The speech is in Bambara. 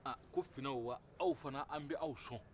ah ko finɛw aw fɛnɛ an b'aw sɔn